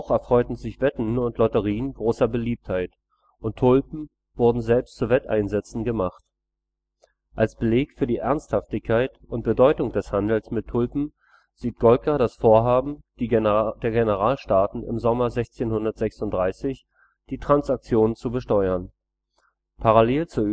erfreuten sich Wetten und Lotterien großer Beliebtheit, und Tulpen wurden selbst zu Wetteinsätzen gemacht. Als Beleg für die Ernsthaftigkeit und Bedeutung des Handels mit Tulpen sieht Goldgar das Vorhaben der Generalstaaten im Sommer 1636, die Transaktionen zu besteuern. Parallel zu